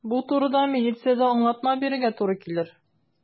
Бу турыда милициядә аңлатма бирергә туры килер.